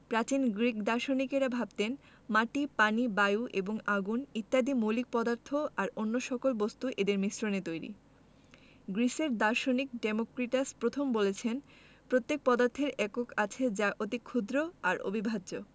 প্রাচীন গ্রিক দার্শনিকেরা ভাবতেন মাটি পানি বায়ু এবং আগুন ইত্যাদি মৌলিক পদার্থ আর অন্য সকল বস্তু এদের মিশ্রণে তৈরি গ্রিসের দার্শনিক ডেমোক্রিটাস প্রথম বলেছিলেন প্রত্যেক পদার্থের একক আছে যা অতি ক্ষুদ্র আর অবিভাজ্য